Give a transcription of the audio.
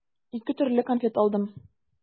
Ике төрле конфет алдым.